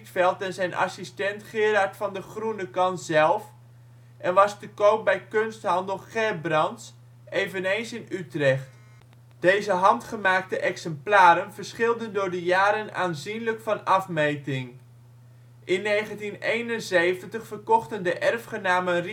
Gerard van de Groenekan zelf en was te koop bij kunsthandel Gerbrands, eveneens in Utrecht. Deze handgemaakte exemplaren verschillen door de jaren aanzienlijk van afmeting. In 1971 verkochten de erfgenamen